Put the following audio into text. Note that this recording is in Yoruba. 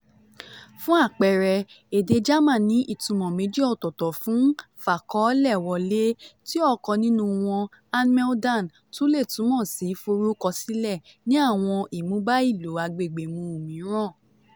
Fún àpẹẹrẹ, èdè German ní ìtumọ̀ méjì ọ̀tọ̀ọ̀tọ̀ fún "Fàkọọ́lẹ̀ wọlé", tí ọ̀kan nínú wọn (anmelden) tún lè túmọ̀ sí "Forúkọ sílẹ̀" ní àwọn ìmúbá-ìlò-agbègbèmu mìíràn